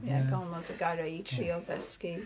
Ie gormod o geiriau i drio ddysgu.